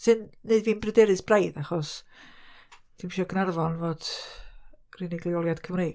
Sy'n neud fi'n bryderus braidd achos dwi'm isio Gaernarfon fod yr unig leoliad Cymreig.